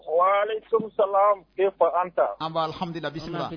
Asalaam alekum ! Wa alekum salaam keyifa ant?